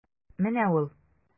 Менә ул.